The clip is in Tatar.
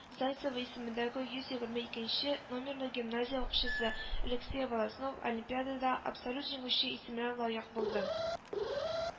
Зайцева исемендәге йөз егерме икенче-нче номерлы гимназия укучысы Алексей Волостнов олимпиадада абсолют җиңүче исеменә лаек булды